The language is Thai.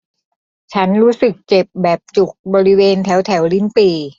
ฉันรู้สึกเจ็บแบบจุกบริเวณแถวแถวลิ้นปี่